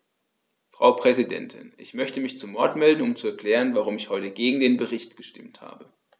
Frau Präsidentin, ich möchte mich zu Wort melden, um zu erklären, warum ich heute gegen den Bericht gestimmt habe.